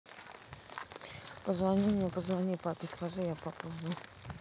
позвони мне позвони папе скажи я папу жду